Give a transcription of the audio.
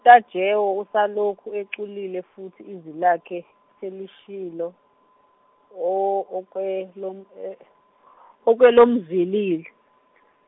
Tajewo usalokhu eculile futhi izwi lakhe selishilo o- okwe- lom- okwelomzwilili.